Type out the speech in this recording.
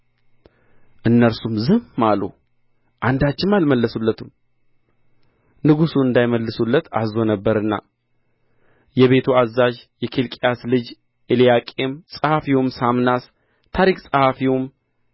እነርሱም ዝም አሉ አንዳችም አልመለሱለትም ንጉሡ አንዳይመልሱለት አዝዞ ነበርና የቤቱ አዛዥ የኬልቅያስ ልጅ ኤልያቄም ጸሐፊውም ሳምናስ ታሪክ ጸሐፊም